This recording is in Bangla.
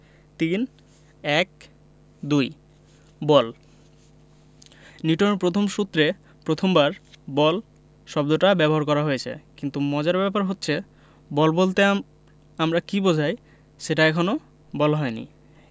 ৩.১.২ বল নিউটনের প্রথম সূত্রে প্রথমবার বল শব্দটা ব্যবহার করা হয়েছে কিন্তু মজার ব্যাপার হচ্ছে বল বলতে আমরা কী বোঝাই সেটা এখনো বলা হয়নি